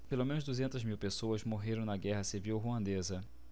pelo menos duzentas mil pessoas morreram na guerra civil ruandesa